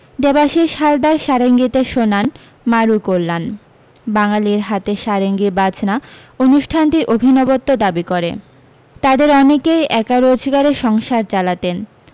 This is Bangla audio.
দেবাশিস হালদার সারেঙ্গিতে শোনান মারু কল্যান বাঙালির হাতে সারেঙ্গি বাজনা অনুষ্ঠানটি অভিনবত্ব দাবি করে তাদের অনেকই একার রোজগারে সংসার চালাতেন